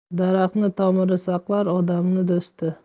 daraxtni tomiri saqlar odamni do'sti